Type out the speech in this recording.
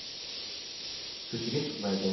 ko'chaga chiqmaydi